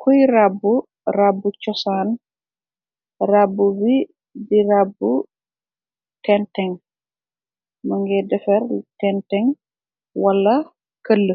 Kuy rabbu rabbu cosaan rabb bi di rabbu tenteng mëngir defar tenteng wala këll